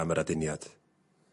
...am yr aduniad.